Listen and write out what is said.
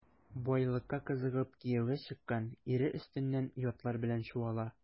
Байлыкка кызыгып кияүгә чыккан, ире өстеннән ятлар белән чуала.